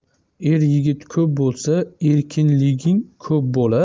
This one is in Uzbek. er yigit ko'p bo'lsa erkinliging ko'p bo'lar